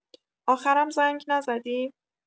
آخرم زنگ نزدی؟